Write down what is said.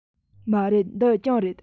མ རེད འདི གྱང རེད